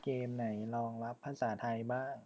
เกมไหนรองรับภาษาไทยบ้าง